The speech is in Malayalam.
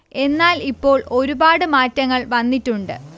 എന്നാൽ ഇപ്പോൾ ഒരുപാട് മാറ്റങ്ങൾ വന്നിട്ടുണ്ട്